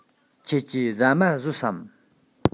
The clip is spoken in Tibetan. ཁྱེད ཀྱིས ཟ མ ཟོས སམ